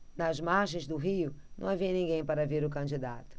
nas margens do rio não havia ninguém para ver o candidato